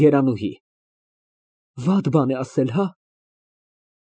ԵՐԱՆՈՒՀԻ ֊ Վատ բան է ասել, հա՞։